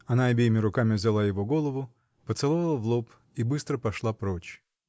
Она обеими руками взяла его голову, поцеловала в лоб и быстро пошла прочь.